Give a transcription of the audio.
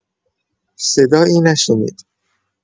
صدایی نشنید.